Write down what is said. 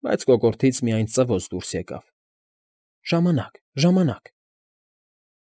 Բայց կոկորդից միայն ծվոց դուրս եկավ. «Ժամանակ…ժամանակ»։